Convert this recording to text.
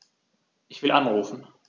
Ich will anrufen.